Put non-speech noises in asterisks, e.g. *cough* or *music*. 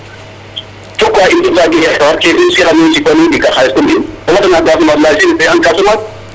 Pourquoi in i mbaagee njeg taxar kene i ɗegaa xaalis comme in o fad nga Casamance *unintelligible*